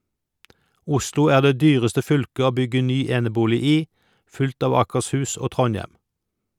Oslo er det dyreste fylket å bygge ny enebolig i, fulgt av Akershus og Trondheim.